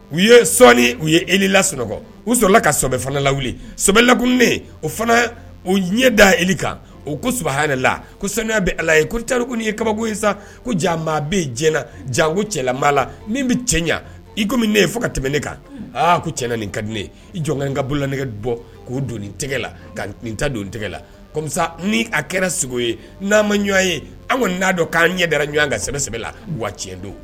U ye sɔɔni u ye e la sunɔgɔ u sɔrɔla ka sobɛ fana la wili sɛbɛlakun ne o fana o ɲɛ da e kan o ko sabaha ne la ko samiya bɛ ala ye ko carikun ye kabako in sa ko ja maa bɛ diɲɛɲɛna jako cɛlamaa la ni bɛ cɛ ɲɛ iko min ne ye fo ka tɛmɛ ne kan aa ko cɛɲɛna nin ka di ne jɔnkɛ ka bololan nɛgɛgɛ bɔ k'u don tɛgɛ la ka ta don tɛgɛ lamisa ni a kɛra sigi ye n'an ma ɲɔgɔn ye an n'a dɔn k'an ɲɛ dara ɲɔgɔn ka sɛ sɛbɛ la wa tiɲɛ don